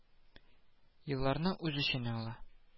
Елларны үз эченә ала